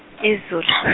iZulu.